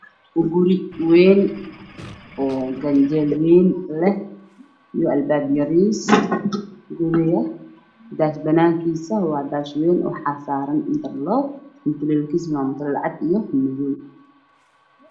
Guri weyn oo kanjel weyn leh iyo albaab yariis banaankiisa waa daashamiin waxaa saaran interlock midabkiisuna waa caddeen iyo madow